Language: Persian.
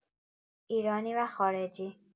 ایرانی و خارجی